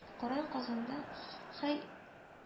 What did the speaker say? Коръән Казанда һәй